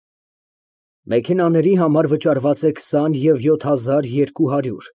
Մեքենաների համար վճարված է քսան և յոթ հազար երկու հարյուր։